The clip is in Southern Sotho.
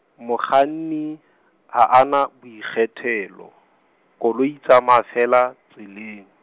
mokganni ha a na boikgethelo, koloi e tsamaya feela tseleng.